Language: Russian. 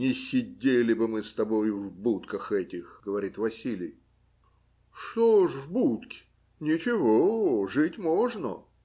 не сидели бы мы с тобою в будках этих, - говорит Василий. - Что ж в будке. ничего, жить можно.